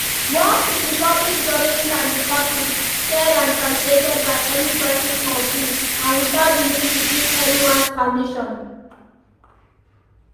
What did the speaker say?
Works in the public domain can be copied, shared, and translated by any person for free and without the need to seek anyone's permission.